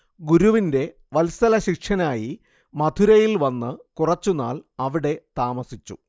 ഗുരുവിന്റെ വത്സലശിഷ്യനായി മധുരയിൽ വന്ന് കുറച്ചുനാൾ അവിടെ താമസിച്ചു